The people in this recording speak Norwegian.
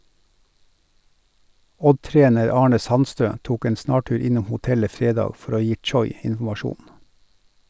Odd-trener Arne Sandstø tok en snartur innom hotellet fredag for å gi Tchoyi informasjon.